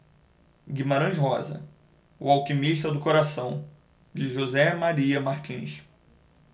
guimarães rosa o alquimista do coração de josé maria martins